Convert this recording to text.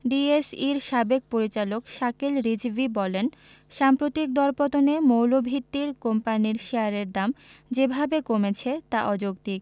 ডিএসইর সাবেক পরিচালক শাকিল রিজভী বলেন সাম্প্রতিক দরপতনে মৌলভিত্তির কোম্পানির শেয়ারের দাম যেভাবে কমেছে তা অযৌক্তিক